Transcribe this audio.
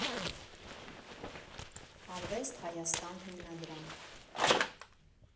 Արվեստ Հայաստան Հիմնադրամ։